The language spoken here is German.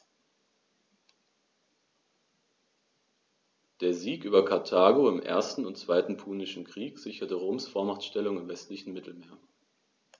Der Sieg über Karthago im 1. und 2. Punischen Krieg sicherte Roms Vormachtstellung im westlichen Mittelmeer.